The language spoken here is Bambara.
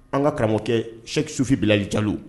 An ka karamɔgɔkɛ sɛk sufi Bilali Jalo